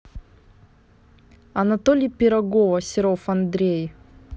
анатолий пирогова серов андрей